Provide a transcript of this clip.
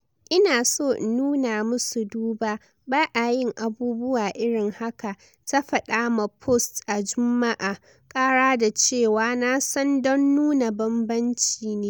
"Ina so in nuna musu, duba, ba’a yin abubuwa irin haka," ta fada ma Post a Jumma'a, kara da cewa "Na san don nuna bambanci ne."